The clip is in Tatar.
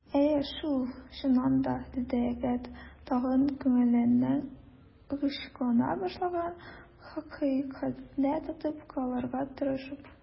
Әйе шул, чыннан да! - диде егет, тагын күңеленнән ычкына башлаган хакыйкатьне тотып калырга тырышып.